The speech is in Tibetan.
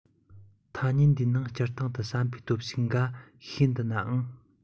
ཐ སྙད འདིའི ནང སྤྱིར བཏང དུ བསམ པའི སྟོབས ཤུགས འགའ ཤས འདུ ནའང